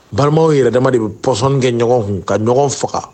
Balimaw yɛrɛ damama de bɛ pɔsɔnni kɛ ɲɔgɔn kun ka ɲɔgɔn faga